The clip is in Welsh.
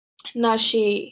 Wnes i...